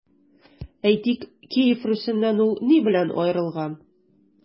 Әйтик, Киев Русеннан ул ни белән аерылган?